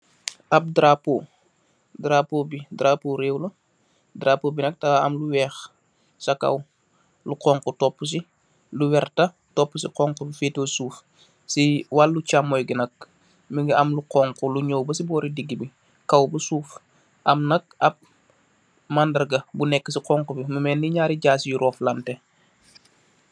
Ap darapóó, darapóó bi darapóó rew la, darapóó bi nak da ma lu wèèx ci kaw lu xonxu topuci, lu werta topuci ci xonxu bi feto suuf. Ci walu camooy gi nak mugii am lu xonxu lu ñaw ba ci bóri digibi kaw ba suuf, am nak ab mandarga bu nekka ci xonxu bi mu melni ñaari jààsi yun roff lanteh.